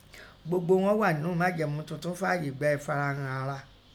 Gbogbo ihun ọ́ gha ńnu Májẹ̀mú Tuntun ún fààye gba ẹ̀farahan ara